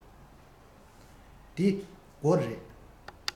འདི སྒོ རེད